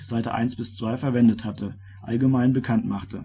verwendet hatte, allgemein bekannt machte